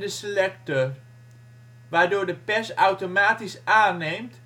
Selecter, waardoor de pers automatisch aanneemt